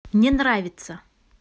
не нравится